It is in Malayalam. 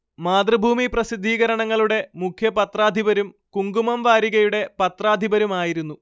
മാതൃഭൂമി പ്രസിദ്ധീകരണങ്ങളുടെ മുഖ്യ പത്രാധിപരും കുങ്കുമം വാരികയുടെ പത്രാധിപരുമായിരുന്നു